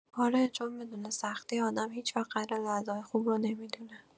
آره، چون بدون سختی، آدم هیچ‌وقت قدر لحظه‌های خوب رو نمی‌دونه.